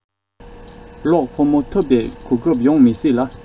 གློག ཕོ མོ འཐབས པའི གོ སྐབས ཡོང མི སྲིད ལ